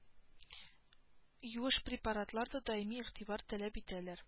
Юеш препаратлар да даими игътибар таләп итәләр